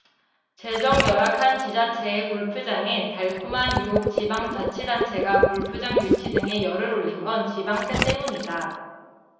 재정 열악한 지자체에 골프장은 달콤한 유혹지방자치단체가 골프장 유치 등에 열을 올린 건 지방세 때문이다